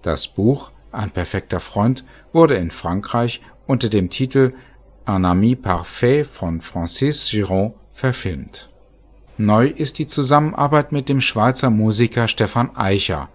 Das Buch Ein perfekter Freund wurde in Frankreich unter dem Titel Un ami parfait von Francis Girod verfilmt. Neu ist die Zusammenarbeit mit dem Schweizer Musiker Stephan Eicher,